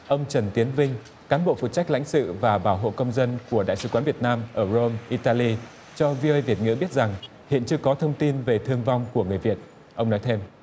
ông trần tiến vinh cán bộ phụ trách lãnh sự và bảo hộ công dân của đại sứ quán việt nam ở rôm i ta li cho viu ây việt ngữ biết rằng hiện chưa có thông tin về thương vong của người việt ông nói thêm